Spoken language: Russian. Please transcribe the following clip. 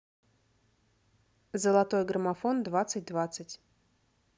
золотой граммофон двадцать двадцать